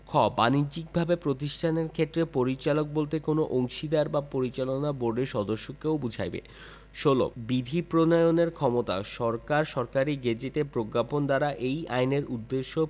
খ বাণিজ্যিকভাবে প্রতিষ্ঠানের ক্ষেত্রে পরিচালক বলিতে কোন অংশীদার বা পরিচালনা বোর্ডের সদস্যকেও বুঝাইবে ১৬ বিধি প্রণয়নের ক্ষমতাঃ সরকার সরকারী গেজেটে প্রজ্ঞাপন দ্বারা এই আইনের উদ্দেশ্য